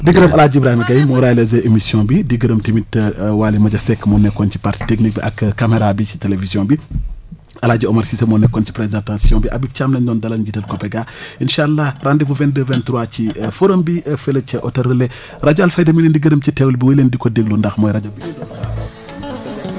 di gërëm El Hadj Ibrahima Guèye moo réalisé émission bi di gërëm tamit Waly Mathia Seck moo nekkoon ci partie technique bi ak caméra bi ci télévision bi El Hadj Omar Cissé moo nekkoon ci présentation bi Habib Thiam lañ doon dalal njiital COPEGA incha a: allah rendez vous 22 23 ci forum bi fële ca hôtel Relais rajo Alfayda mi ngi leen di gërëm ci teewlu bi w&y leen di ko déglu ndax mooy rajo akan wi